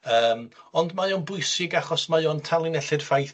Yym, ond mae o'n bwysig achos mae o'n tanlinellu'r ffaith